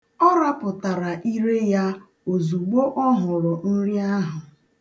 Ọ rapụtara ire ya ozugbo ọ hụrụ nri ahụ.